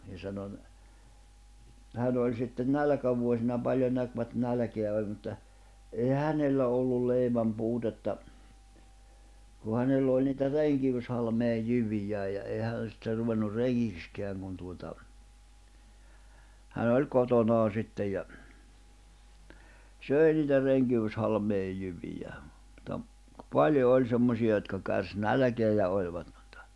ja sanoi - hän oli sitten nälkävuosina paljon näkivät nälkää oli mutta eihän hänellä ollut leivänpuutetta kun hänellä oli niitä renkiyshalmeen - jyviä ja ei hän sitten ruvennut rengiksikään kun tuota hän oli kotonaan sitten ja söi niitä renkihalmeen jyviä mutta paljon oli semmoisia jotka kärsi nälkää ja olivat mutta